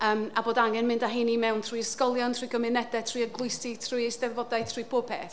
yym a bod angen mynd â heini i mewn trwy ysgolion, trwy gymunedau, trwy eglwysi, trwy eisteddfodau, trwy pob peth.